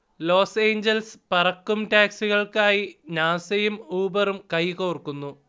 loss Angeles പറക്കും ടാക്സികൾക്കായി നാസയും ഊബറും കൈകോർക്കുന്നു